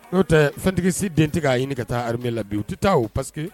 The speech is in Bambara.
Oo tɛ fɛntigisi den tɛ k'a ɲini ka taa harmee la bi u tɛ taa o parce que